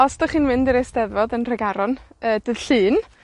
Os 'dych chi'n fynd i'r Eisteddfod yn Nhregaron, yy dydd Llun,